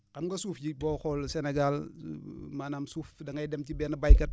xam nga suuf yi boo xool Sénégal maanaam suuf da ngay dem ci benn béykat